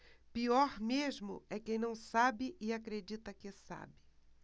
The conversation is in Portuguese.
pior mesmo é quem não sabe e acredita que sabe